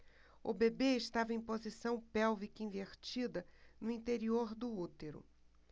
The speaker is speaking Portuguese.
o bebê estava em posição pélvica invertida no interior do útero